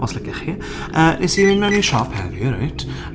Os liciech chi. Yy wnes i mynd mewn i siop heddi alright...